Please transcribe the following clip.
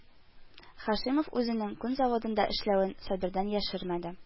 Һашимов үзенең күн заводында эшләвен Сабир-дан яшермәде